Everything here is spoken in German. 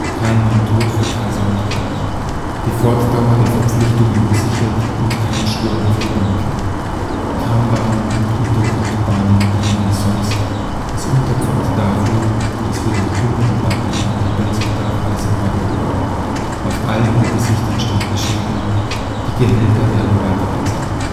Kein Mann tot für Kaiser und Reich! Die Fortdauer der Verpflichtungen gesichert und kein Sturm auf die Banken! (…) Trambahnen und Untergrundbahnen gingen wie sonst, das Unterpfand dafür, daß für den unmittelbaren Lebensbedarf alles in Ordnung war. Auf allen Gesichtern stand geschrieben: Die Gehälter werden weiterbezahlt